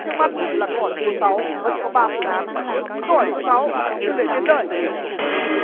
trước mắt là câu hỏi số sáu vẫn có ba phương án câu hỏi số sáu đừng để tiền rơi